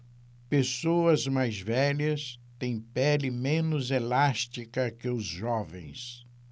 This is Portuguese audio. pessoas mais velhas têm pele menos elástica que os jovens